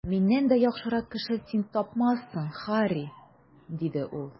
Миннән дә яхшырак кешене син тапмассың, Һарри, - диде ул.